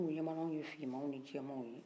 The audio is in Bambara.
ko min u ɲɛbala anw ye finman ni jɛmanw ye